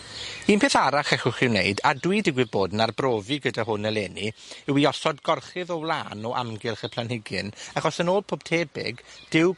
Un peth arall ellwch chi wneud, a dwi digwydd bod yn arbrofi gyda hwn eleni yw i osod gorchudd o wlân o amgylch y planhigyn, achos yn ôl pob tebyg, dyw